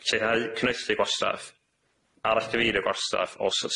lleihau cymlethu gwastraff arallgyfeirio gwastraff o sy-